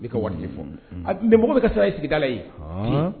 I bɛ ka waati fɔ bɛn mɔgɔ bɛ ka saya i sigikala ye